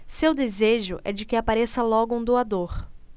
seu desejo é de que apareça logo um doador